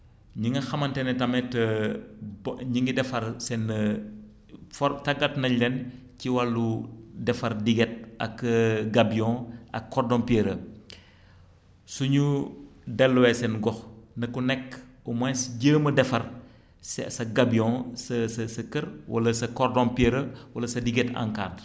ñi nga xamante ne tamit bo ñu ngi defar seen for tàggat nañ leen ci wàllu defar diguette ak gabion ak cordon pierreux su ñu delluwee seen gox na ku nekk au moins jéem a defar sa sa gabion sa sa sa kër wala sa cordon pierreux wala sa diguette en cadre